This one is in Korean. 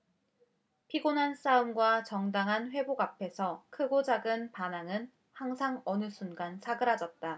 피곤한 싸움과 적당한 회복 앞에서 크고 작은 반항은 항상 어느 순간 사그라졌다